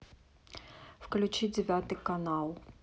включи девятый канал